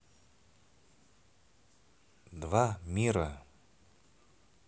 два мира